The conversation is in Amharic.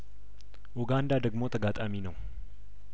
ኡጋንዳ ደግሞ ተጋጣሚ ነው